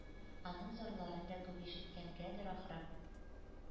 Аның зарларын да күп ишеткәнгәдер, ахры,